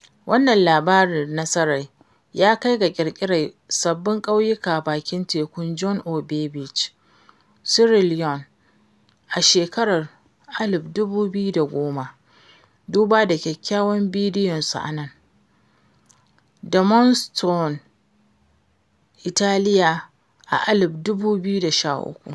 Wannan labarin nasara ya kai ga ƙirƙirar sabbin ƙauyuka bakin tekun John Obey Beach, Sierra Leone a shekarar 2010 (duba kyawawan bidiyonsu a nan) da Monestevole, Italiya a 2013.